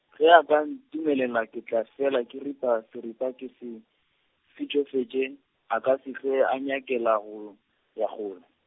ge a ka ntumelela ke tla fela ke ripa seripa ke se, fitšofetše, a ka se hlwe a nyakela , ya kgole.